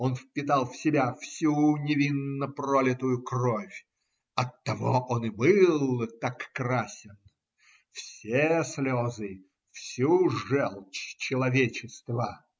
он впитал в себя всю невинно пролитую кровь (оттого он и был так красен), все слезы, всю желчь человечества.